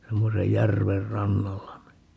semmoisen järven rannalla niin